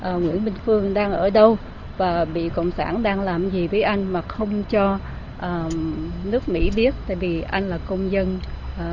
nguyễn bình phương đang ở đâu và bị cộng sản đang làm gì với anh mà không cho nước mỹ biết tại vì anh là công dân